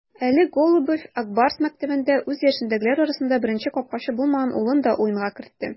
Әле Голубев "Ак Барс" мәктәбендә үз яшендәгеләр арасында беренче капкачы булмаган улын да уенга кертте.